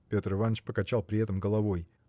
Петр Иваныч покачал при этом головой.